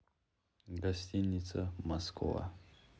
гостиница москва